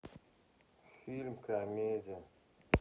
фильм комедия